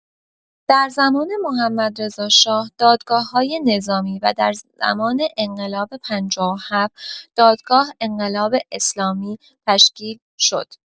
در زمان محمدرضاشاه دادگاه‌های نظامی و در زمان انقلاب ۵۷ دادگاه انقلاب اسلامی تشکیل شد.